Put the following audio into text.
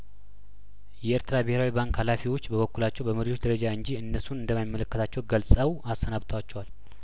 የኤርትራ ብሄራዊ ባንክ ሀላፊዎች በበኩላቸው በመሪዎች ደረጃ እንጂ እነሱን እንደማ ይመለከታቸው ገልጸው አሰናብተዋቸዋል